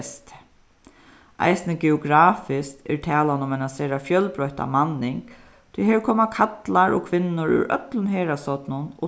bestu eisini geografiskt er talan um eina sera fjølbroytta manning tí her koma kallar og kvinnur úr øllum heraðshornum